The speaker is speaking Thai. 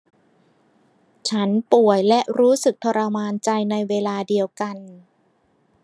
ฉันป่วยและรู้สึกทรมานใจในเวลาเดียวกัน